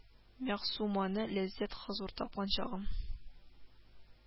Мәгъсуманә ләззәт, хозур тапкан чагым